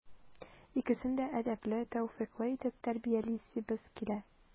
Икесен дә әдәпле, тәүфыйклы итеп тәрбиялисебез килә.